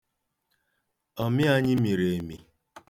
Ọmị anyị miri emi.